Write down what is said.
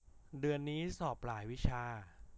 เดือนนี้สอบหลายวิชา